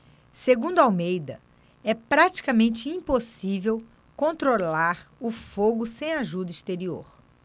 segundo almeida é praticamente impossível controlar o fogo sem ajuda exterior